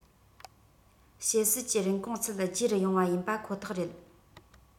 བྱེད སྲིད ཀྱི རིན གོང ཚད བརྗེ རུ ཡོང བ ཡིན པ ཁོ ཐག རེད